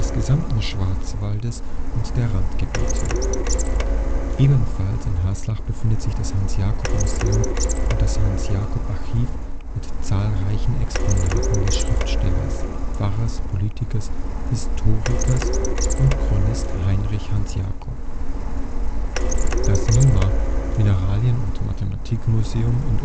gesamten Schwarzwaldes und der Randgebiete. Ebenfalls in Haslach befindet sich das Hansjakob-Museum und das Hansjakob-Archiv mit zahlreicher Exponate des Schriftstellers, Pfarrers, Politikers, Historikers und Chronist Heinrich Hansjakob.Das MiMa Mineralien - und Mathematikmuseum in